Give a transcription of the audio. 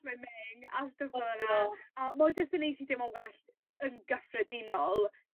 ...swimming a stwff fel yna. A ma' o jyst yn neud ti deimlo'n well yn gyffredinol